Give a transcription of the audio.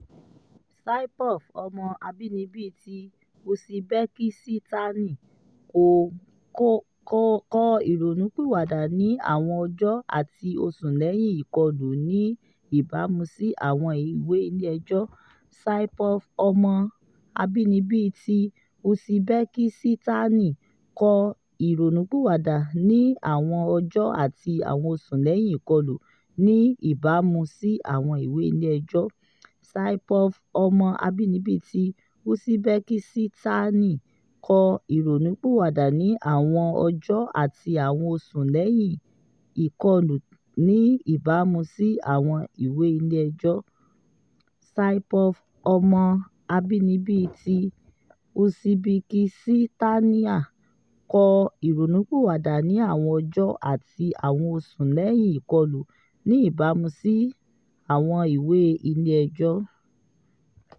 Saipov, ọmọ abínibí ti Usibekisitani, kò ìrònúpìwàdà ní àwọn ọjọ́ àti àwọn oṣù lẹyìn ìkọlù ní ìbámu sí àwọn ìwé ilé ẹjọ́.